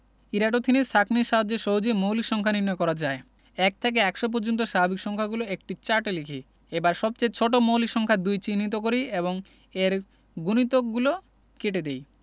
Eratosthenes ছাঁকনির সাহায্যে সহজেই মৌলিক সংখ্যা নির্ণয় করা যায় ১ থেকে ১০০ পর্যন্ত স্বাভাবিক সংখ্যাগুলো একটি চার্টে লিখি এবার সবচেয়ে ছোট মৌলিক সংখ্যা ২ চিহ্নিত করি এবং এর গুণিতকগলো কেটে দেই